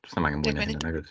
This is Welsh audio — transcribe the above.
Sna'm angen mwy na hynny nag oes?